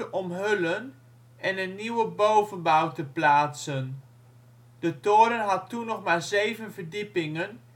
omhullen en een nieuwe bovenbouw te plaatsen. De toren had toen nog maar zeven verdiepingen